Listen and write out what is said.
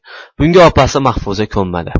bunga opasi mahfuza ko'nmadi